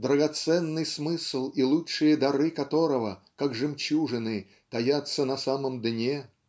драгоценный смысл и лучшие дары которого как жемчужины таятся на самом дне